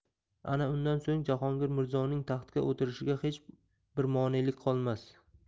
ana undan so'ng jahongir mirzoning taxtga o'tirishiga hech bir monelik qolmas